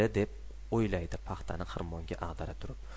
deb o'ylaydi paxtani xirmonga ag'dara turib